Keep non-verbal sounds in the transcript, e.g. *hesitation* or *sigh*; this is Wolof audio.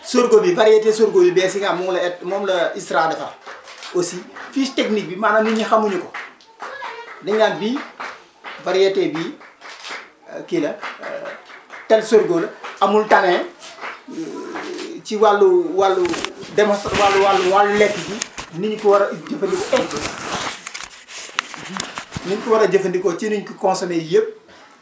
sorgho bi variété sorgho yu bees yi nga xam moom la ét moom la *hesitation* ISRA defar *noise* aussi fiche technique bi maanaam nit ñi xamuñu ko *applause* dañ naan bii *applause* variété bii *applause* kii la *hesitation* tel sorgho la amul tànn hein *applause* *hesitation* ci wàllu wàllu *noise* démons wàllu *noise* wàllu lekk gi *noise* ni ñu ko war a jëfandikopo *noise* et *noise* ni ñu ko war a jëfandikoo ci ni ñu consommer yëpp